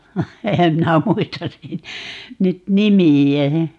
enhän minä muista - nyt nimeä